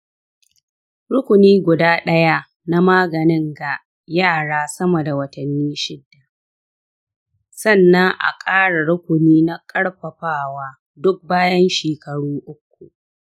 rukuni guda ɗaya na maganin ga yara sama da watanni shida, sannan a ƙara rukuni na ƙarfafawa duk bayan shekaru uku.